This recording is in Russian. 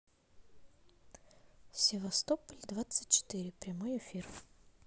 севастополь двадцать четыре прямой эфир